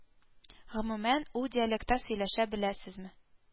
Гомүмән, ул диалектта сөйләшә беләсезме